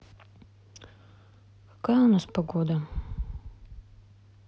какая у нас погода